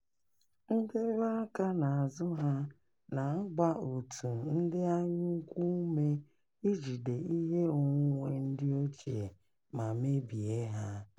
Ndebe aka n'azụ ha na-agba òtù ndị anya ukwu ume ijide ihe onwunwe ndị ochie ma mebie ha.